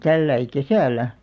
tällä lailla kesällä